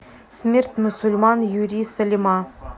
смерть мусульман юри салима